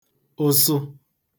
ụsụ